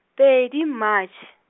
pedi Matšhe.